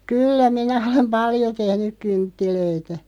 kyllä minä olen paljon tehnyt kynttilöitä